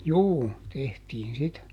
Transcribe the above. juu tehtiin sitä